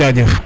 jajef